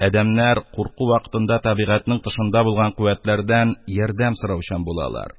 Адәмнәр курку вакытында табигатьнең тышында булган куәтләрдән ярдәм сораучан булалар.